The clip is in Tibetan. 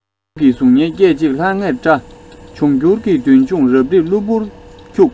འདས དུས ཀྱི གཟུགས བརྙན སྐད ཅིག ལྷང ངེར བཀྲ འབྱུང འགྱུར གྱི མདུན ལྗོངས རབ རིབ གློ བུར འཁྱུགས